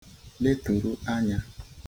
leturu anya